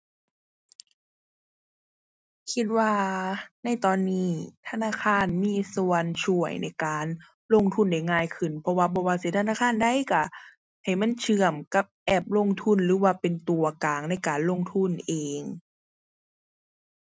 คิดว่าในตอนนี้ ธนาคารมีส่วนช่วยในการลงทุนได้ง่ายขึ้น เพราะว่าบ่ว่าสิธนาคารใดก็ให้มันเชื่อมกับแอปลงทุนหรือว่าเป็นตัวกลางในการลงทุนเอง